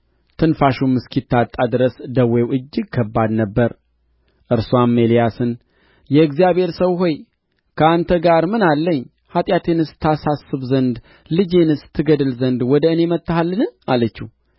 ትንፋሹም እስኪታጣ ድረስ ደዌው እጅግ ከባድ ነበረ እርስዋም ኤልያስን የእግዚአብሔር ሰው ሆይ ከአንተ ጋር ምን አለኝ ኃጢአቴንስ ታሳስብ ዘንድ ልጄንስ ትገድል ዘንድ ወደ እኔ መጥተሃልን አለችው